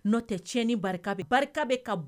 Nɔtɛ tiɲɛni barika bɛ barika bɛ ka b